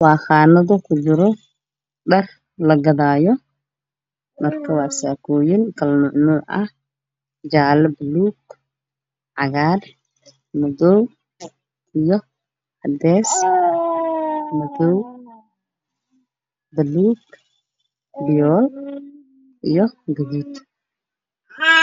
Waa qaanada ku jiro dhar lagadaayo